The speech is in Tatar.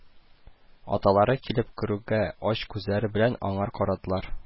Аталары килеп керүгә ач күзләре белән аңар карадылар